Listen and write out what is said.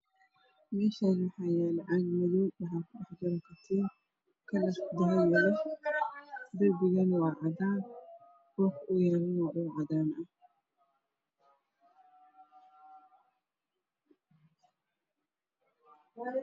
Meshaani waxaa yaalo caag madow waxaa ku dhax jiro katiin kalarku dahabi yahay darbiku waa cadaan dhulak ow yaalo waa dhul cadaan ah